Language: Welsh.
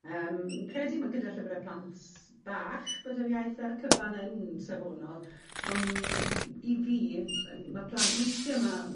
Yym wi'n credu ma' gyda llyfre plant bach bod yr iaith ar y cyfan yn safonol on' m- i i fi m- ma' plant weithie ma'